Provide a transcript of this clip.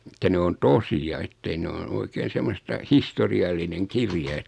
että ne on tosia että ei ne noin oikein semmoista historiallinen kirja että